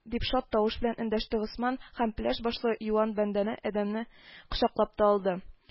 —дип шат тавыш белән эндәште госман һәм пеләш башлы, юан бәдәнле адәмне кочаклап та алды